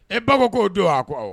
E ba ko k'o do wa? A ko awɔ.